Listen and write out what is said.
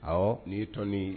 Awɔ .